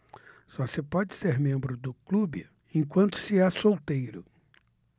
só se pode ser membro do clube enquanto se é solteiro